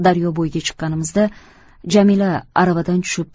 daryo bo'yiga chiqqanimizda jamila aravadan tushib